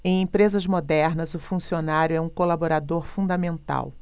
em empresas modernas o funcionário é um colaborador fundamental